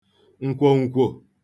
ǹkwòǹkwò